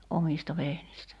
omista vehnistä